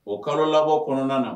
O kalo labɔ kɔnɔna na